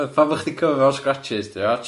Yy pam bo' chdi di covero mewn scratches dio ots?